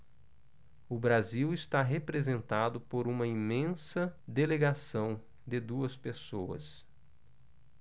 o brasil está representado por uma imensa delegação de duas pessoas